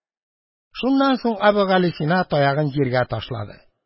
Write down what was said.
Шуннан соң Әбүгалисина таягын җиргә ташлады.